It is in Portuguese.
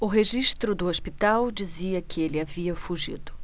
o registro do hospital dizia que ele havia fugido